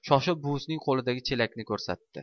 shoshib buvisining qo'lidagi chelakni ko'rsatdi